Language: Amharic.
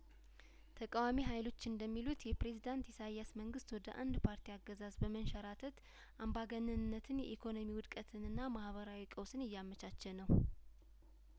ተቃዋሚ ሀይሎች እንደሚሉት የፕሬዚዳንት ኢሳይያስ መንግስት ወደ አንድ ፓርቲ አገዛዝ በመንሸራተት አምባገነንነትን የኢኮኖሚ ውድቀትንና ማሀበራዊ ቀውስን እያመቻቸ ነው